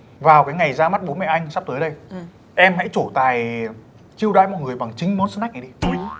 vào cái ngày ra mắt bố mẹ anh sắp tới đây em hãy trổ tài chiêu đãi mọi người bằng chính món sờ nách này đi